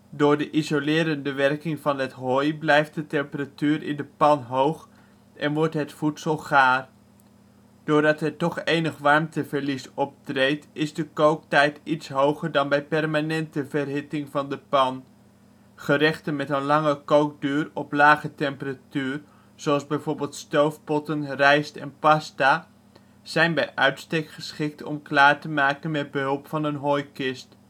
Door de isolerende werking van het hooi, blijft de temperatuur in de pan hoog, en wordt het voedsel gaar. Doordat er toch enig warmteverlies optreedt, is de kooktijd iets hoger dan bij permanente verhitting van de pan. Gerechten met een lange kookduur op lage temperatuur (zoals bv stoofpotten, rijst, pasta,...) zijn bij uitstek geschikt om klaar te maken met behulp van een hooikist